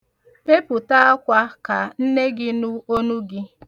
Bepụ̀ta akwa ka nne gị nụ onu gị.